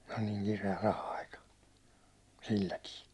oli niin kireä raha-aika silläkin